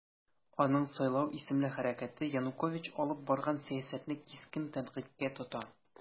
Аның "Сайлау" исемле хәрәкәте Янукович алып барган сәясәтне кискен тәнкыйтькә тота.